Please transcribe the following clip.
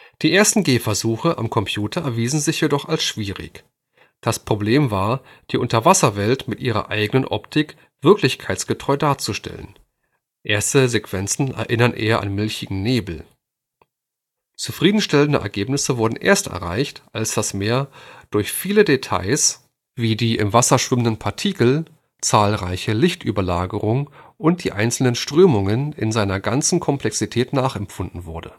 Die ersten Gehversuche am Computer erwiesen sich jedoch als schwierig. Das Problem war die Unterwasserwelt mit ihrer eigenen Optik wirklichkeitsgetreu darzustellen, erste Sequenzen erinnerten eher an milchigen Nebel. Zufriedenstellende Ergebnisse wurden erst erreicht, als das Meer durch viele Details wie die im Wasser schwimmenden Partikel, zahlreiche Lichtüberlagerungen und die einzelnen Strömungen in seiner ganzen Komplexität nachempfunden wurde